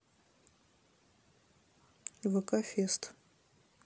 вк фест